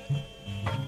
San